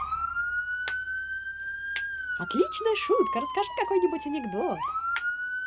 отличная шутка расскажи какой нибудь анекдот